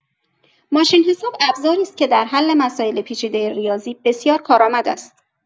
ماشین‌حساب ابزاری است که در حل مسائل پیچیده ریاضی بسیار کارآمد است.